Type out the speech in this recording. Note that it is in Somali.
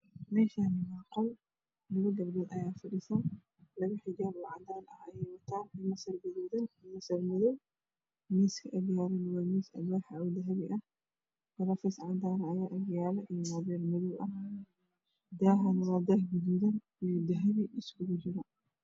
Meeshaan waa qol labo gabdhood ayaa fadhiso. Labo xijaab oo cadaan ah ayay wataan iyo masar gaduudan iyo masar madow. Miiska agyaalana waa miis alwaax ah oo dahabi ah galoofis cadaan ah ayaa agyaalo iyo muubeel madow ah. Daaha waa gaduud iyo dahabi isku jiro.